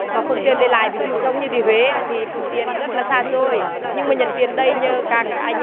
mà phương tiện đi lại ví dụ giống như đi huế thì phương tiện rất là xa xôi nhưng mà nhận tiền đây nhờ các anh